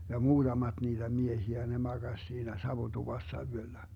ja muutamat niitä miehiä ne makasi siinä savutuvassa yöllä